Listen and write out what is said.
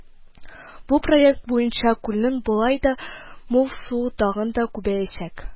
Бу проект буенча күлнең болай да мул суы тагын да күбәячәк